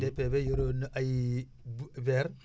DPV yore woon na ay bu vert